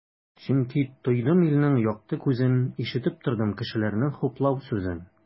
Чөнки тойдым илнең якты күзен, ишетеп тордым кешеләрнең хуплау сүзен.